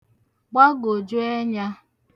gbagoju ẹnyā